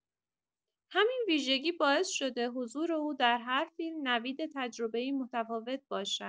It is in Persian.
همین ویژگی باعث شده حضور او در هر فیلم، نوید تجربه‌ای متفاوت باشد.